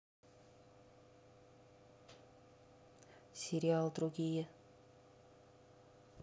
сериал другие